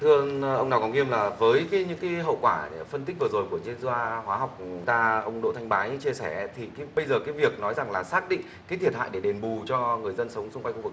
thưa ông đào ngọc nghiêm là với cái những cái hậu quả phân tích vừa rồi của chuyên gia hóa học của chúng ta ông đỗ thanh bái chia sẻ thì bây giờ cái việc nói rằng là xác định cái thiệt hại để đền bù cho người dân sống xung quanh khu vực